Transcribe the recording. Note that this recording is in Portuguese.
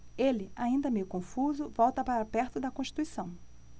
ele ainda meio confuso volta para perto de constituição